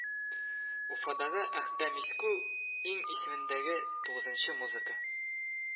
Уфадагы Әдһәм Иску ин исемендәге тыгызынчы музыка